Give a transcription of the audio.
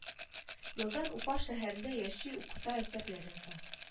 Елдан уфа шәһәрендә яши укыта әсәрләр яза